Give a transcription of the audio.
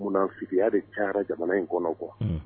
Munnafiya de ca jamana in kɔnɔ kuwa